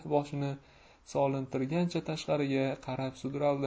boshini solintirgancha tashqariga qarab sudraldi